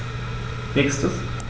Nächstes.